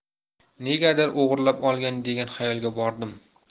negadir o'g'irlab olgan degan xayolga bordim